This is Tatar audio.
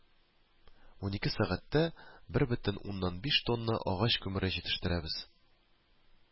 Унике сәгатьтә бер бөтен уннан биш тонна агач күмере җитештерәбез